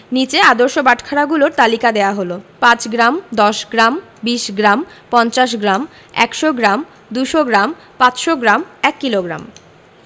নিচে আদর্শ বাটখারাগুলোর তালিকা দেয়া হলঃ ৫ গ্রাম ১০গ্ৰাম ২০ gram ৫০ gram ১০০ gram ২০০ gram ৫০০ gram ও ১ কিলোগ্রাম